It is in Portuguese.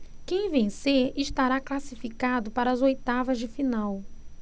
quem vencer estará classificado para as oitavas de final